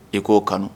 I k'o kanu